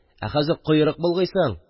Ә хәзер койрык болгыйсың!